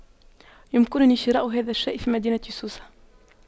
يمكنني شراء هذا الشيء في مدينة سوسة